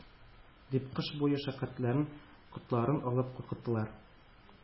Дип кыш буе шәкертләрнең котларын алып куркыттылар.